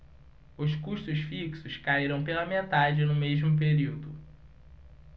os custos fixos caíram pela metade no mesmo período